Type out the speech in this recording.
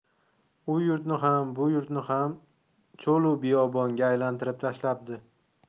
u yurtni ham bu yurtni ham cho'lbiyobonga aylantirib tashlabdi